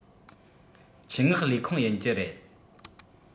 ཆེད མངགས ལས ཁུང ཡིན གྱི རེད